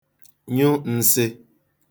nyụ n̄sị̄